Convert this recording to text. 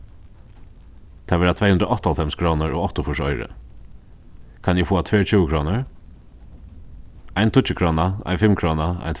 tað verða tvey hundrað og áttaoghálvfems krónur og áttaogfýrs oyru kann eg fáa tvær tjúgukrónur ein tíggjukróna ein fimmkróna ein